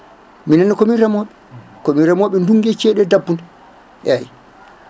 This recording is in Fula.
minenne kmin remoɓe komin remoɓe ndungu e ceeɗu e dabbude eyyi